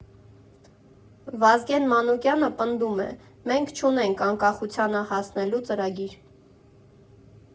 Վազգեն Մանուկյանը պնդում է՝ մենք չունենք անկախությանը հասնելու ծրագիր։